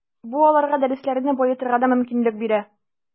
Бу аларга дәресләрне баетырга да мөмкинлек бирә.